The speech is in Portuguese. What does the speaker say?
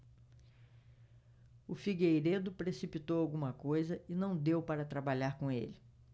o figueiredo precipitou alguma coisa e não deu para trabalhar com ele